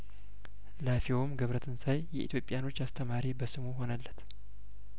ላፌውም ገብረትን ሳይየኢትዮጵያ ኖች አስተማሪ በስሙ ሆነለት